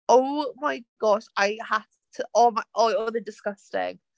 Oh my gosh I had to, oh my... oedd e'n disgusting.